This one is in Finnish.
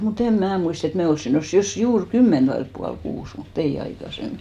mutta en minä muista että me olisimme noussut jos juuri kymmentä vailla puoli kuusi mutta ei aikaisemmin